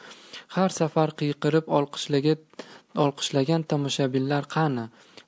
har safar qiyqirib olqishlagan tomoshabinlar qani